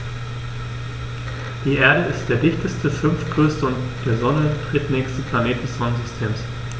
Die Erde ist der dichteste, fünftgrößte und der Sonne drittnächste Planet des Sonnensystems.